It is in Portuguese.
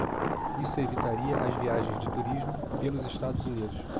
isso evitaria as viagens de turismo pelos estados unidos